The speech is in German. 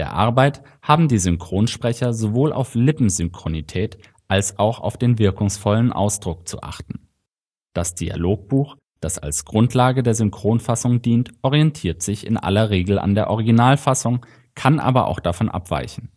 Arbeit haben die Synchronsprecher sowohl auf Lippensynchronität als auch auf den wirkungsvollen Ausdruck zu achten. Das Dialogbuch, das als Grundlage der Synchronfassung dient, orientiert sich in aller Regel an der Originalfassung, kann aber auch davon abweichen